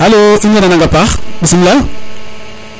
alo in way nanang a paax bismila